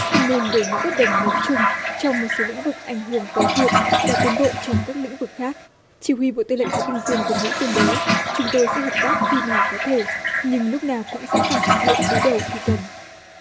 không nên để những bất đồng mỹ trung trong một số lĩnh vực ảnh hưởng tới việc đạt tiến bộ trong các lĩnh vực khác chỉ huy bộ tư lệnh thái bình dương của mỹ tuyên bố chúng tôi sẽ hợp tác khi nào có thể nhưng lúc nào cũng sẵn sàng trực diện đối đầu khi cần